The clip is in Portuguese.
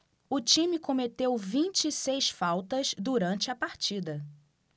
o time cometeu vinte e seis faltas durante a partida